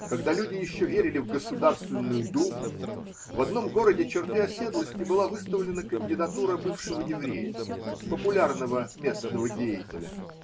Когда люди еще верили в Государственную Думу, в одном городе черты оседлости была выставлена кандидатура бывшего еврея, популярного местного деятеля.